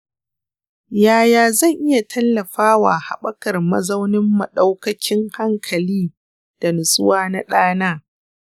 yaya zan iya tallafa wa haɓakar mazaunin maɗaukakin hankali da natsuwa na ɗana?